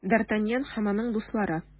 Д’Артаньян һәм аның дуслары.